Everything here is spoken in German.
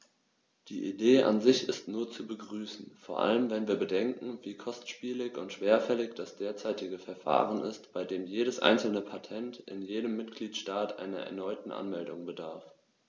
Die Idee an sich ist nur zu begrüßen, vor allem wenn wir bedenken, wie kostspielig und schwerfällig das derzeitige Verfahren ist, bei dem jedes einzelne Patent in jedem Mitgliedstaat einer erneuten Anmeldung bedarf.